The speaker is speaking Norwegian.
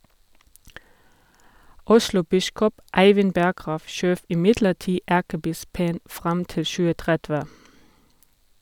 Oslobiskop Eivind Berggrav skjøv imidlertid erkebispen fram til 2030.